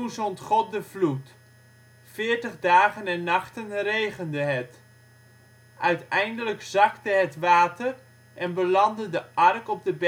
zond God de vloed: 40 dagen en nachten regende het. Uiteindelijk zakte het water en belandde de ark op de